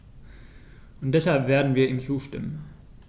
Und deshalb werden wir ihm zustimmen.